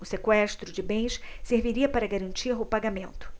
o sequestro de bens serviria para garantir o pagamento